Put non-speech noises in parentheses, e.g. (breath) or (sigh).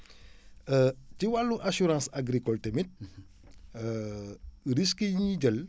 (breath) (hesitation) ci wàllu assurance agricole tamit (hesitation) risques yi ñu jël